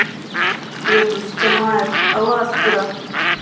фирдус тямаев аластера